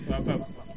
waaw Pape